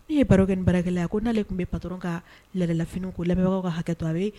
Ne ye baroro kɛ ni bara baarakɛ a ko n'ale tun bɛ patr ka lalaini ko labɛnbagaw ka hakɛto a bɛ